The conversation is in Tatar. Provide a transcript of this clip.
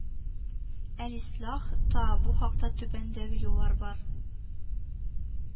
Әлислах та бу хакта түбәндәге юллар бар